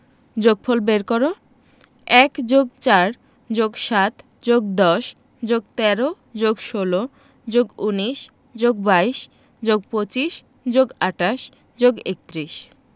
যোগফল বের কর ১+৪+৭+১০+১৩+১৬+১৯+২২+২৫+২৮+৩১